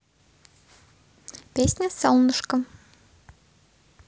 песня солнышко